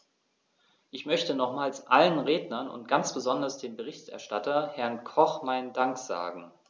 Ich möchte nochmals allen Rednern und ganz besonders dem Berichterstatter, Herrn Koch, meinen Dank sagen.